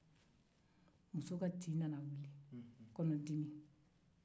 muso ka tin nana wuli